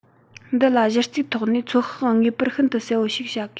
འདི ལ གཞི རྩའི ཐོག ནས ཚོད དཔག ངེས པར ཤིན ཏུ གསལ པོ ཞིག བྱ དགོས